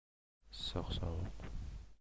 issiq sovuq